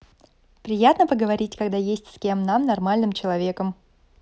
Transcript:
приятно поговорить когда есть с кем нам нормальным человеком